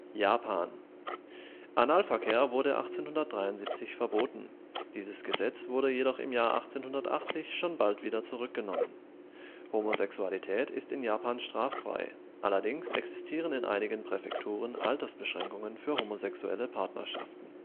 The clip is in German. Japan Analverkehr wurde 1873 verboten, dieses Gesetz wurde jedoch im Jahr 1880 schon bald wieder zurück genommen. Homosexualität ist in Japan straffrei, allerdings existieren in einigen Präfekturen Altersbeschränkungen für homosexuelle Partnerschaften